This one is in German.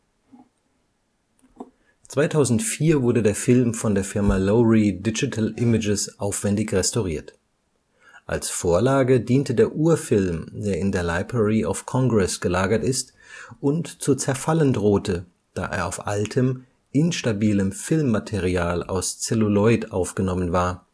2004 wurde der Film von der Firma Lowry Digital Images aufwendig restauriert. Als Vorlage diente der Ur-Film, der in der Library of Congress gelagert ist und zu zerfallen drohte, da er auf altem, instabilem Filmmaterial aus Zelluloid aufgenommen war